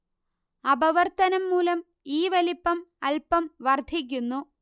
അപവർത്തനം മൂലം ഈ വലിപ്പം അൽപം വർദ്ധിക്കുന്നു